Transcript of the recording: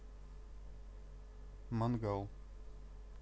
мангал